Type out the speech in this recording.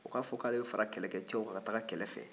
o k'a fɔ ko ale bɛ fara kɛlɛkɛcɛw ka taa kɛlɛ fɛ